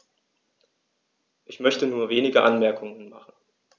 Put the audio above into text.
Ich möchte nur wenige Anmerkungen machen.